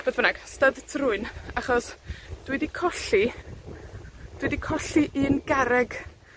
Beth bynnag, styd trwyn, achos, dwi 'di colli, dwi 'di colli un garreg